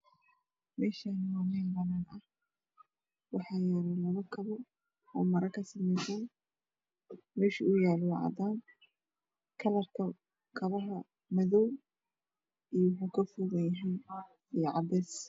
Meeshaani waa meel banaan ah waxaa yaalo labo kabo oo maro ka sameysan meesha uu yaalo waa cadaan kalarka iyo wuxuu ka koobanyahay cadays